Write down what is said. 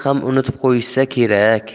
ham unutib qo'yishsa kerak